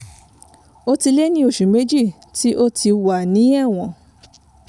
Ó ti lé ní oṣù méjì tí ó ti wà ní ẹ̀wọ̀n.